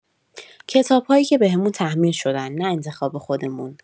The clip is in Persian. کتاب‌هایی که بهمون تحمیل شدن، نه انتخاب خودمون.